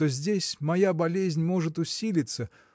что здесь моя болезнь может усилиться